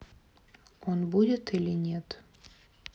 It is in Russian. он будет или нет